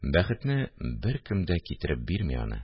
Бәхетне беркем дә китереп бирми аны